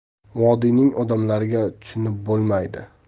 vodiyning odamlariga tushunib bo'lmaydi